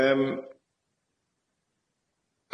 Yym.